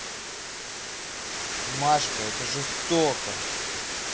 машка это жестоко